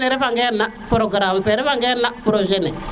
refa ngen na programme fe refa ngen na projet ne